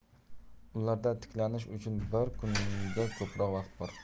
ularda tiklanish uchun bir kunga ko'proq vaqt bor